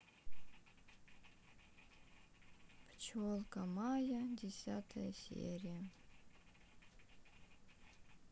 пчелка майя десятая серия